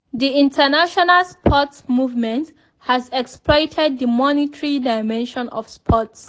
The international sports movement has exploited the monetary dimension of sports.